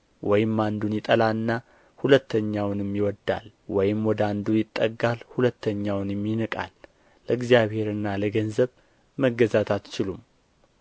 ወይም አንዱን ይጠላልና ሁለተኛውንም ይወዳል ወይም ወደ አንዱ ይጠጋል ሁለተኛውንም ይንቃል ለእግዚአብሔርና ለገንዘብ መገዛት አትችሉም